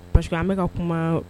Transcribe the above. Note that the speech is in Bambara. Parce que an bɛka ka kuma